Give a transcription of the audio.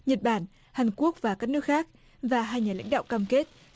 nhật bản hàn quốc và các nước khác và hai nhà lãnh đạo cam kết